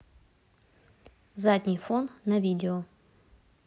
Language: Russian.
задний фон на видео